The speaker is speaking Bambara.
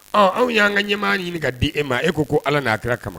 Ɔ anw y'an ka ɲɛmaa ɲini ka di e ma e ko ala n'a kira kama